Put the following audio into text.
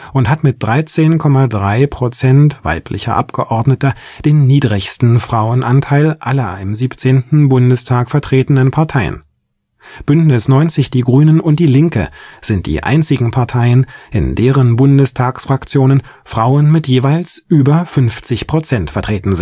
und hat mit 13,3 % weiblicher Abgeordneter den niedrigsten Frauenanteil aller im 17. Bundestag vertretenen Parteien. Bündnis 90/Die Grünen und Die Linke sind die einzigen Parteien, in deren Bundestagsfraktionen Frauen mit jeweils über 50 % vertreten